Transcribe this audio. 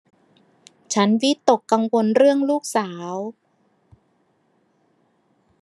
ฉันวิตกกังวลเรื่องลูกสาว